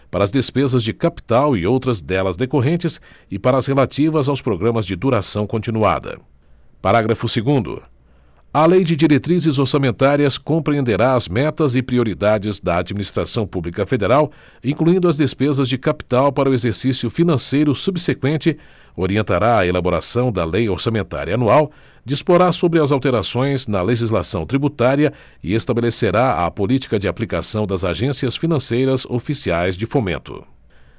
para as despesas de capital e outras delas decorrentes e para as relativas aos programas de duração continuada parágrafo segundo a lei de diretrizes orçamentárias compreenderá as metas e prioridades da administração pública federal incluindo as despesas de capital para o exercício financeiro subseqüente orientará a elaboração da lei orçamentária anual disporá sobre as alterações na legislação tributária e estabelecerá a política de aplicação das agências financeiras oficiais de fomento